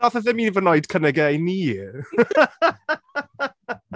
Wnaeth e ddim hyd yn oed cynnig e i ni.